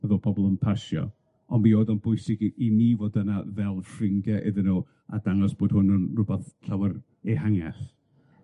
pobol yn pasio, ond mi oedd o'n bwysig i i ni fod yna fel ffrindie iddyn nw a dangos bod hwn yn rwbath llawer ehangach.